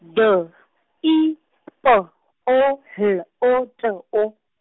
D I P O L O T O.